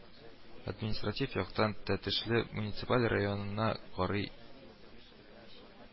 Административ яктан Тәтешле муниципаль районына карый